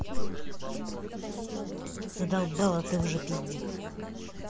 задолбала ты уже пиздит